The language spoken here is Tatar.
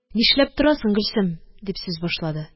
– нишләп торасың, гөлсем?! – дип сүз башлады.